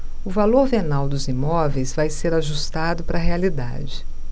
o valor venal dos imóveis vai ser ajustado para a realidade